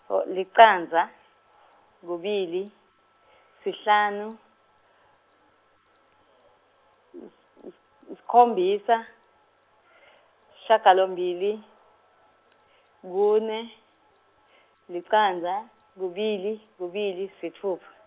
oh licandza , kubili, sihlanu , sikhombisa, sishagalombili, kune, licandza, kubili kubili sitfupha.